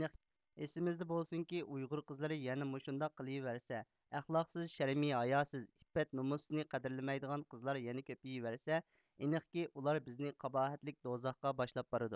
ئېسىمىزدە بولسۇنكى ئۇيغۇر قىزلىرى يەنە مۇشۇنداق قىلىۋەرسە ئەخلاقسىز شەرمىي ھاياسىز ئىپپەت نۇمۇسىنى قەدىرلىمەيدىغان قىزلار يەنە كۆپىيىۋەرسە ئېنىقكى ئۇلار بىزنى قاباھەتلىك دوزاخقا باشلاپ بارىدۇ